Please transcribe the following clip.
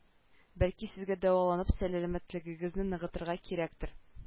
Бәлки сезгә дәваланып сәламәтлегегезне ныгытырга кирәктер